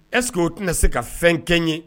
Ɛsseke uo tɛna se ka fɛn kɛ ye